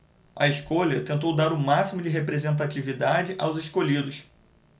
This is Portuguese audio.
a escolha tentou dar o máximo de representatividade aos escolhidos